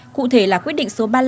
cụ thể là quyết định số ba